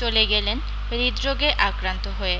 চলে গেলেন হৃদরোগে আক্রান্ত হয়ে